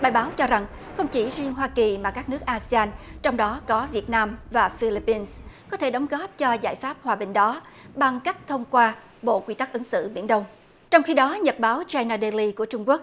bài báo cho rằng không chỉ riêng hoa kỳ mà các nước a si an trong đó có việt nam và phi líp pin có thể đóng góp cho giải pháp hòa bình đó bằng cách thông qua bộ quy tắc ứng xử biển đông trong khi đó nhật báo chai na dai ly của trung quốc